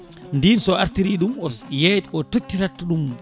ndin so artiri ɗum o yeey o tottirat ɗum